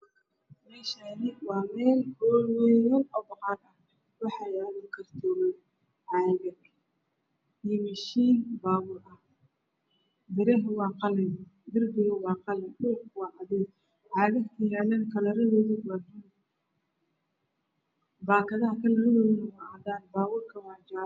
Waa meel hool ah waxaa yaal kartooman, caagag iyo mishiin baabur ah. Biruhu waa qalin dhulkuna waa cadeys. Caagaga waa buluug, baakadaha waa cadaan, baabuurka waa jaale.